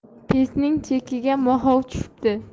pesning chekiga moxov tushibdi